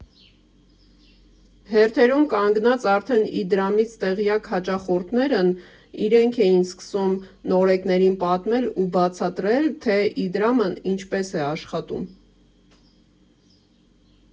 Հերթերում կանգնած արդեն Իդրամից տեղյակ հաճախորդներն իրենք էին սկսում նորեկներին պատմել ու բացատրել, թե Իդրամն ինչպես է աշխատում։